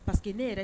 Pariseke ne yɛrɛ